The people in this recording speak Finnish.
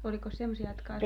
olikos semmoisia jotka olisi